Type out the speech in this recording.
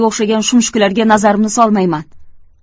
o'xshagan shumshuklarga nazarimni solmayman